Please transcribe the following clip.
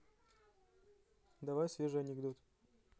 давай свежий анекдот